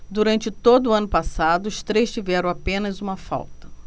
durante todo o ano passado os três tiveram apenas uma falta